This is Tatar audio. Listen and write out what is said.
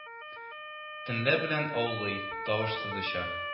Төнлә белән аулый, тавышсыз оча